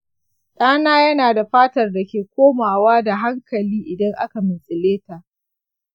ɗana yana da fatar da ke komawa da hankali idan aka mintsile ta